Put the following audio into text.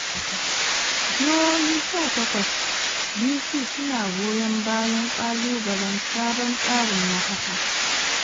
Jihohi 18, D.C. su na goyon bayan kalubalen sabon tsarin mafaka